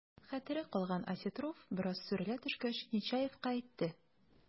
Хәтере калган Осетров, бераз сүрелә төшкәч, Нечаевка әйтте: